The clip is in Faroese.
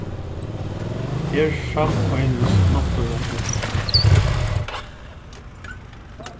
her sameinist náttúran og tøknin